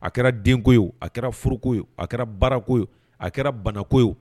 A kɛra denko ye o a kɛra furuko ye o a kɛra baarako ye o a kɛra banako ye